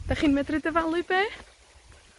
'Dych chi'n medru dyfalu be'?